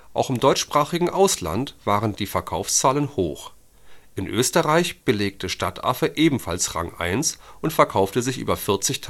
Auch im deutschsprachigen Ausland waren die Verkaufszahlen hoch: In Österreich belegte Stadtaffe ebenfalls Rang 1 und verkaufte sich über 40.000